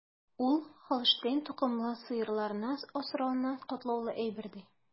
Ул Һолштейн токымлы сыерларны асрауны катлаулы әйбер, ди.